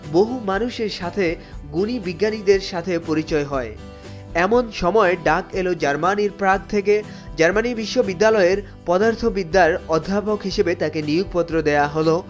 বহু মানুষের সাথে গুণী বিজ্ঞানীদের সাথে পরিচয় হয় এমন সময় ডাক এল জার্মানির প্রাগ থেকে জার্মানির বিশ্ববিদ্যালয়ে পদার্থবিদ্যার অধ্যাপক হিসেবে তাকে নিয়োগপত্র দেয়া হলো